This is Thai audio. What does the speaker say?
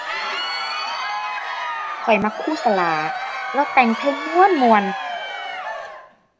ข้อยมักครูสลา เลาแต่งเพลงม่วนม่วน